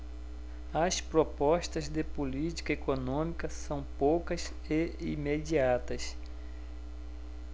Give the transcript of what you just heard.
as propostas de política econômica são poucas e imediatas